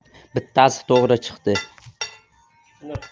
bittasi to'g'ri chiqdi